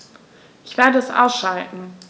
Ich werde es ausschalten